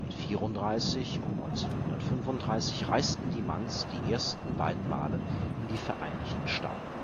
1934 und 1935 reisten die Manns die ersten beiden Male in die Vereinigten Staaten